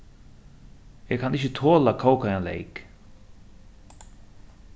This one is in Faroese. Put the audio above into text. eg kann ikki tola kókaðan leyk